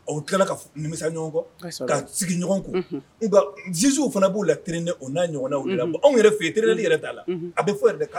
A tila ka nimisa ɲɔgɔn kɔ ka sigiɲɔgɔn kɔ nka jisiww fana b'u la t o n'a ɲɔgɔn anw yɛrɛ fɛ trli yɛrɛ'a la a bɛ foyi yɛrɛ